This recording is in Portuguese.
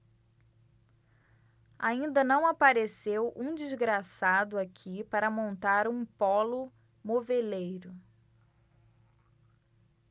ainda não apareceu um desgraçado aqui para montar um pólo moveleiro